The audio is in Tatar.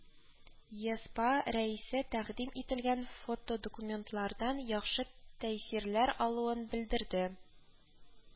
ЕСПА Рәисе тәкъдим ителгән фотодокументлардан яхшы тәэсирләр алуын белдерде